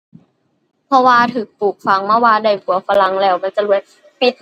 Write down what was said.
เพราะว่าถูกปลูกฝังมาว่าได้ผัวฝรั่งแล้วก็จะรวย เฮ็ด